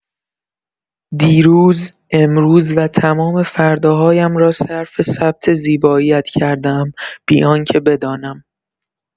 دیروز، امروز و تمام فرداهایم را صرف ثبت زیبایی‌ات کرده‌ام بی‌آنکه بدانم.